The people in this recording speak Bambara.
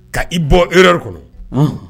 Ka i bɔ e yɛrɛri kɔnɔ